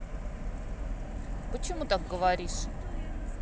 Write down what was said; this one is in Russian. почему так говоришь